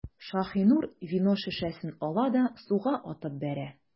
Шаһинур вино шешәсен ала да суга атып бәрә.